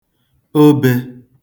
obē